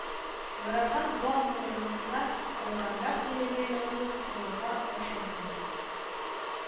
Яраткан ба маларыгызга арзанрак бәягә язылып калырга ашыгыгыз